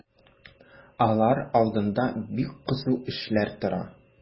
Алар алдында бик кызу эшләр тора.